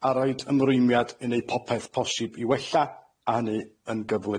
a roid ymrwymiad i neu' popeth posib i wella, a hynny yn gyflym.